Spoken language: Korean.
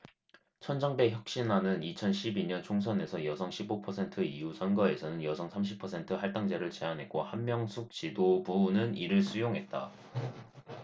천정배 혁신안은 이천 십 이 년 총선에선 여성 십 오 퍼센트 이후 선거에서는 여성 삼십 퍼센트 할당제를 제안했고 한명숙 지도부는 이를 수용했다